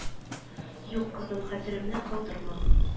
Юк кызым хәтеремне калдырма